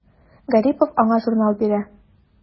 Гарипов аңа журнал бирә.